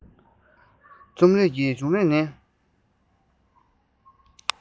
རྩོམ རིག གི བྱུང རིམ ནི